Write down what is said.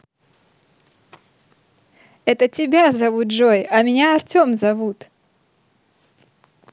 это тебя зовут джой а меня артем зовут